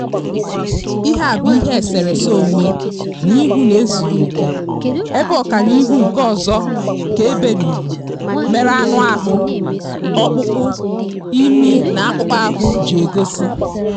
Ihe a bụ eserese onwe na ihu na-ezughi oke, ebe ọkara ihu nke ọzọ ka e beriri mere anụahụ, ọkpụkpụ, imi na akpụkpọ ahụ ji egosi.